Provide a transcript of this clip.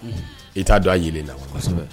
I t'a don a yelen na